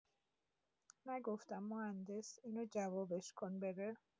نگفتم مهندس اینو جوابش کن بره؟